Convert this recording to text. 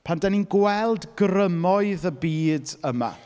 Pan dan ni'n gweld grymoedd y byd yma.